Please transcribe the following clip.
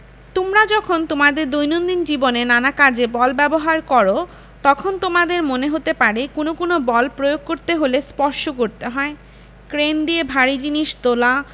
তোমরা যখন তোমাদের দৈনন্দিন জীবনে নানা কাজে বল ব্যবহার করো তখন তোমাদের মনে হতে পারে কোনো কোনো বল প্রয়োগ করতে হলে স্পর্শ করতে হয় ক্রেন দিয়ে ভারী জিনিস তোলা